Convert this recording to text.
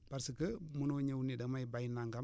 parce que munoo ñëw ni damay bay nangam